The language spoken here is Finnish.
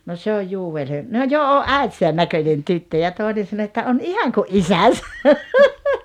no se on Joel - no jo on äitinsä näköinen tyttö ja toinen sanoi että on ihan kuin isänsä